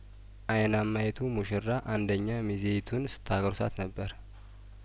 አይናማዪቱ ሙሽራ አንደኛ ሚዜዪቱን ስታጐርሳት ነበር